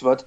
t'mod